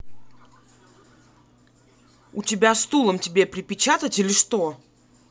у тебя стулом тебе перепечатать или что